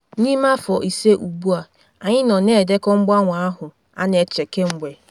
MKH: N'ime afọ ise ugbu a anyị nọ na-edekọ mgbanwe ahụ a na-eche kemgbe.